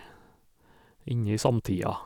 Inn i samtida.